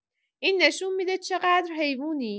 این نشون می‌ده چقدر حیوونی.